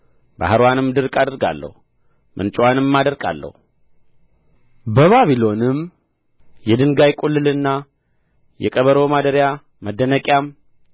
ባሕርዋንም ድርቅ አደርገዋለሁ ምንጭዋንም አደርቀዋለሁ ባቢሎንም የድንጋይ ቁልልና የቀበሮ ማደሪያ መደነቂያም